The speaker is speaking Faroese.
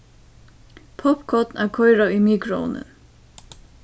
poppkorn at koyra í mikroovnin